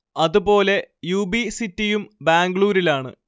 അതു പോലെ U B സിറ്റിയും ബാംഗ്ലൂരിലാണ്